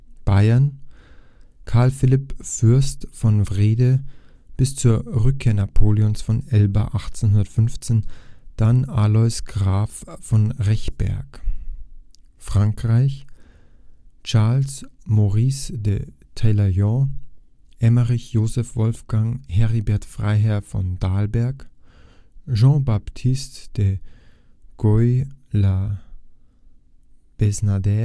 Bayern Karl Philipp Fürst von Wrede bis zur Rückkehr Napoleons von Elba 1815, dann Aloys Graf von Rechberg Frankreich Charles Maurice de Talleyrand – Emmerich Joseph Wolfgang Heribert Freiherr von Dalberg – Jean-Baptiste de Gouey La Besnardière